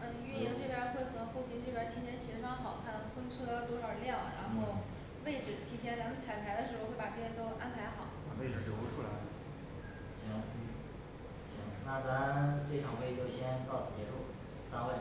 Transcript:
啊运营这边儿会和后勤这边儿提前协商好看婚车多少辆然后嗯位置提前咱们彩排的时候儿会把这些都安排嗯行&嗯&行，那咱 这场会议就先到此结束，散会